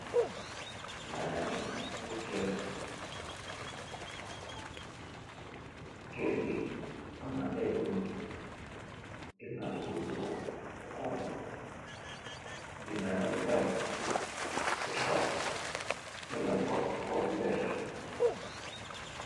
Mageh giss ay keur keur gi amna ay buntu giss nafa buntu bu xonxa giss na tamit garab bu taxaw mogi am xoop xoop u vertah.